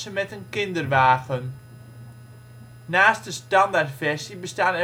kinderwagen. Naast de standaardversie bestaan